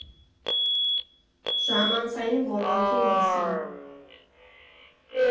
ԺԱՄԱՆՑԱՅԻՆ ՈԼՈՐՏԻ ՄԱՍԻՆ։